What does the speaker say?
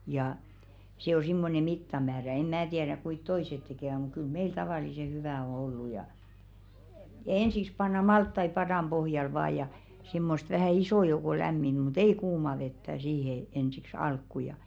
ja se on semmoinen mittamäärä en minä tiedä kuinka toiset tekevät mutta kyllä meille tavallisen hyvä on ollut ja ensiksi pannaan maltaita padan pohjalle vain ja semmoista vähän ison joukon lämminnyt mutta ei kuumaa vettä siihen ensiksi alkuun ja